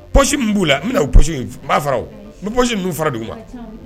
Psi b'u la n bɛnasi b'a psi b'u fara di'u ma